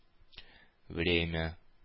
Время